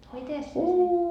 mitenkäs se sitten